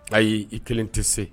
Ayi i kelen tɛ se